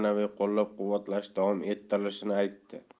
ma'naviy qo'llab quvvatlash davom ettirilishini aytdi